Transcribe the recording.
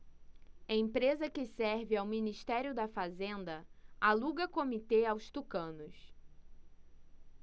empresa que serve ao ministério da fazenda aluga comitê aos tucanos